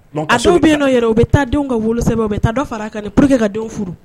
Asiw bɛ' yɛrɛ u bɛ taa denw ka wolosɛbɛ u bɛ taa dɔ fara a kan po que ka denw furu